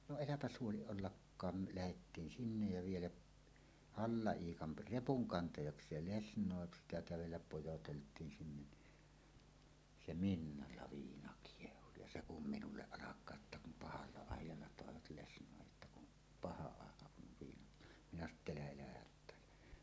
no äläpä huoli ollenkaan me lähdettiin sinne ja vielä Halla-Iikan repunkantajakseen lesnoi sitä kävellä pojoteltiin sinne niin se miniällä viina kiehui ja se kun minulle alkaa että kun pahalla ajalla toivat lesnoin jotta kun paha aika kun viinat minä sanoi että älä älä hättäile